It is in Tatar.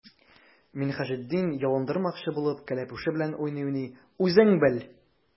Минһаҗетдин, ялындырмакчы булып, кәләпүше белән уйный-уйный:— Үзең бел!